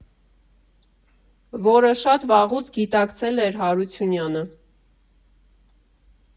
Որը շատ վաղուց գիտակցել էր Հարությունյանը։